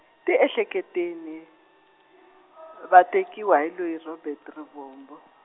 tiehleketeni, va tekiwa hi loyi Robert Rivombo.